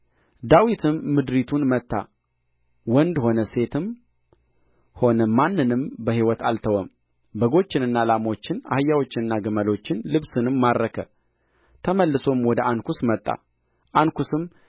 ዳዊትም ምድሪቱን መታ ወንድ ሆነ ሴትም ሆነ ማንንም በሕይወት አልተወም በጎችንና ላሞችን አህያዎችንና ግመሎችን ልብስንም ማረከ ተመልሶም ወደ አንኩስ መጣ አንኩስም